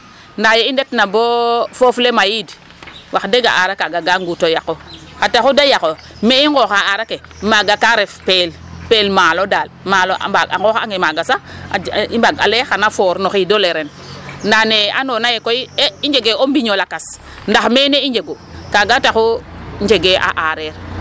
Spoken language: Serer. Ndaa yee i ndetna bo foof le mayiid wax deg a aar akaaga ka nguut a yaqu xar taxu da yaqoox me i nqooxa aar ake maaga kaa ref peel peel maalo daal. Maalo a nqooxange maaga sax i mbaag a lay ee sax xaya for no xiid ole ren ndaa ne andoona yee koy e i njegee o mbiñ o lakas ndax mene i njegu keaga taxu njegee a aareer.